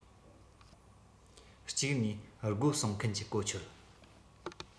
གཅིག ནས སྒོ སྲུང མཁན གྱི གོ ཆོད